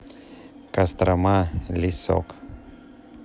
кострома лесок